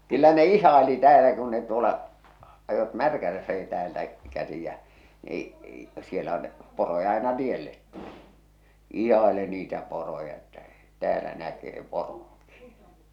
kyllä ne ihaili täällä kun ne tuolla ajoivat Märkälässäkin täältä käsi ja -- siellä on poroja aina tielle tuli ihaili niitä poroja että täällä näkee poronkin